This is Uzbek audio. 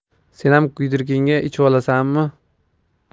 senam kuydirgingga ichvolasanmi